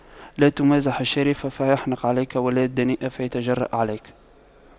لا تمازح الشريف فيحنق عليك ولا الدنيء فيتجرأ عليك